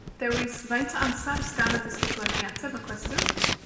Dewis faint o amsar s'gan y disgyblion i ateb y cwestiwn,